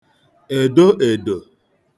èdoèdò